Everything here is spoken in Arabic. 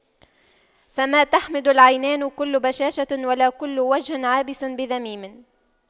فما تحمد العينان كل بشاشة ولا كل وجه عابس بذميم